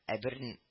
Ә берн